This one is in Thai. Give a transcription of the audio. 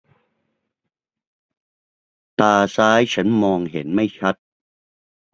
ตาซ้ายฉันมองเห็นไม่ชัด